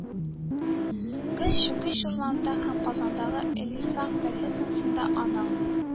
Гы «чүкеч» журналында һәм казандагы «әлислах» газетасында аның